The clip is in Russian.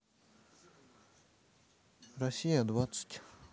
россия двадцать